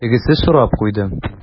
Тегесе сорап куйды: